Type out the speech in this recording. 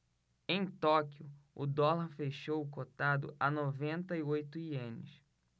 em tóquio o dólar fechou cotado a noventa e oito ienes